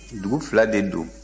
dugu fila de don